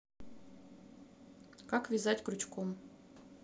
как вязать крючком